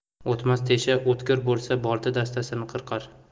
o'tmas tesha o'tkir bo'lsa bolta dastasini qirqar